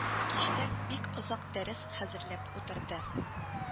— кичтән бик озак дәрес хәзерләп утырды